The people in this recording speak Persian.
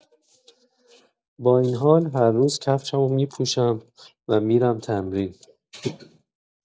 با این حال، هر روز کفشمو می‌پوشم و می‌رم تمرین.